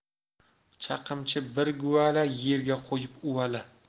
chaqimchi bir guvala yerga qo'yib uvala